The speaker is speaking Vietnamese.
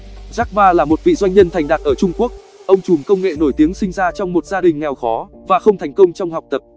jack ma là một vị doanh nhân thành đạt ở trung quốc ông trùm công nghệ nổi tiếng sinh ra trong một gia đình nghèo khó và không thành công trong học tập